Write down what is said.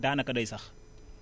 daanaka day sax